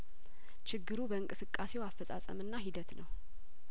ችግሩ በእንቅስቃሴው አፈጻጸምና ሂደት ነው